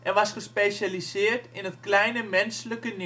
was gespecialiseerd in het kleine menselijke